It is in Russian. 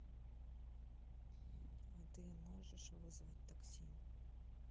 а ты можешь вызвать такси